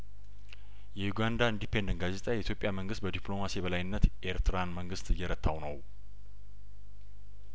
የዩጋንዳ ኢንዲ ፐንደንት ጋዜጣ የኢትዮጵያ መንግስት በዲፕሎማሲ የበላይነት የኤርትራን መንግስት እየረታው ነው